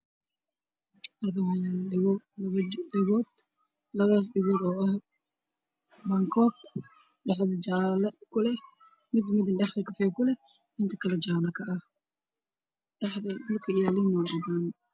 Halkaan waxaa yaalo labo dhagood oo ah mankood dhexda jaale ku leh midna dhexda kafay ka ah midna waa jaale dhulkana waa cadaan.